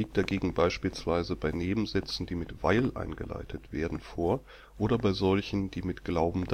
dagegen beispielsweise bei Nebensätzen, die mit „ weil “eingeleitet werden (S. 48), vor oder bei solchen, die mit „ glauben, dass